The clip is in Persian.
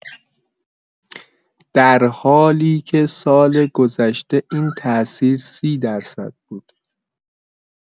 در حالی که سال‌گذشته این تاثیر ۳۰ درصد بود.